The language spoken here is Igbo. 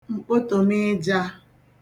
m̀kpotòmịjā